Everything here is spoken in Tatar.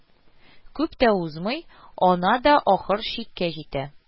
Күп тә узмый, ана да ахыр чиккә җитә